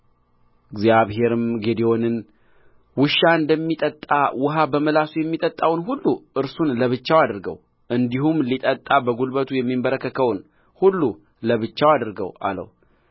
በእጃቸውም ውኃ ወደ አፋቸው አድርገው የጠጡት ቍጥር ሦስት መቶ ነበረ የቀሩት ሕዝብ ግን ውኃ ሊጠጡ በጕልበታቸው ተንበረከኩ